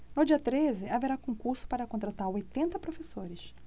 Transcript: no dia treze haverá concurso para contratar oitenta professores